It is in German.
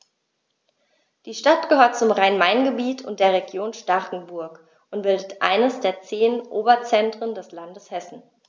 Die Stadt gehört zum Rhein-Main-Gebiet und der Region Starkenburg und bildet eines der zehn Oberzentren des Landes Hessen.